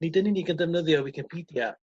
nid yn unig yn defnyddio Wicipidia